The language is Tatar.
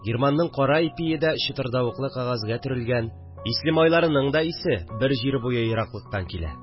Германның кара ипие дә чытырдавыклы кәгазьгә төрелгән, ислемайларының да исе бер җир буе ераклыктан килә